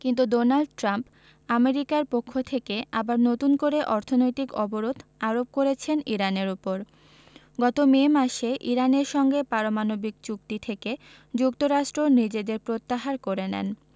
কিন্তু Donald Trump আমেরিকার পক্ষ থেকে আবার নতুন করে অর্থনৈতিক অবরোধ আরোপ করেছেন ইরানের ওপর গত মে মাসে ইরানের সঙ্গে পারমাণবিক চুক্তি থেকে যুক্তরাষ্ট্র নিজেদের প্রত্যাহার করে নেন